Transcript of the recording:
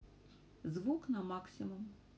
звук на максимум